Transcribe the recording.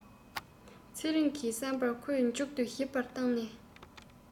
ཚེ རིང གི བསམ པར ཁོས མཇུག ཏུ ཞིབ པར བཏང ནས